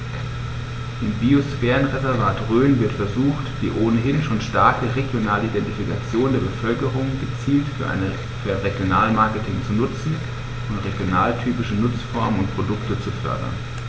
Im Biosphärenreservat Rhön wird versucht, die ohnehin schon starke regionale Identifikation der Bevölkerung gezielt für ein Regionalmarketing zu nutzen und regionaltypische Nutzungsformen und Produkte zu fördern.